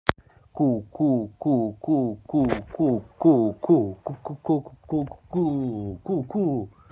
ку ку ку ку ку ку ку ку ку ку ку ку ку ку